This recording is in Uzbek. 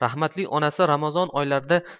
rahmatli onasi ramazon oylarida